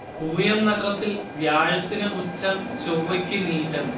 പൂയം നക്ഷത്രത്തിൽ വ്യാഴത്തിന് ഉച്ചം ചൊവ്വയ്ക്ക് നീചം